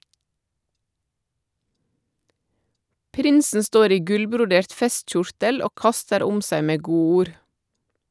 Prinsen står i gullbrodert festkjortel og kaster om seg med godord.